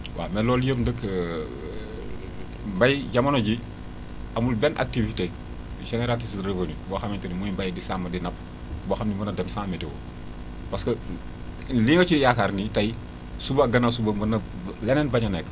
waaw mais loolu yëpp nag béy jamono jii amul benn activité génératrice de revenues boo xamante ne muy mbay di sàmm di napp boo xam ni mën na dem sans météo parce que li nga ci yaakaar nii tey suba gànnaaw sub mën na ba leneen bañ a nekk